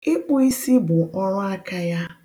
Ịkpụ isi bụ ọrụaka ya.